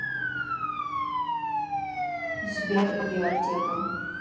сбер еаптека